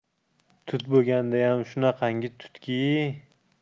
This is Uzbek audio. tut bo'lgandayam shunaqangi tutki